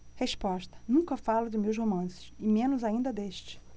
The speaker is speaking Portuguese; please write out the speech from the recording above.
resposta nunca falo de meus romances e menos ainda deste